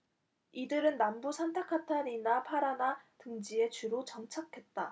이들은 남부 산타카타리나 파라나 등지에 주로 정착했다